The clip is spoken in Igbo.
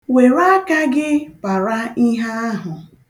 Were aka gị para ihe ahụ.